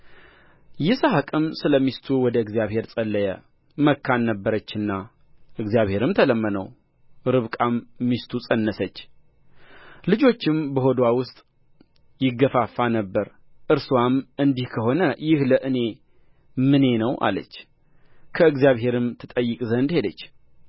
ይስሐቅም ስለሚስቱ ወደ እግዚአብሔር ጸለየ መካን ነበረችና እግዚአብሔርም ተለመነው ርብቃም ሚስቱ ፀነሰች ልጆችም በሆድዋ ውስጥ ይገፋፉ ነበር እርስዋም እንዲህ ከሆነ ይህ ለእኔ ምኔ ነው አለች ከእግዚአብሔርም ትጠይቅ ዘንድ ሄደች